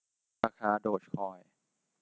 ราคาดอร์จคอย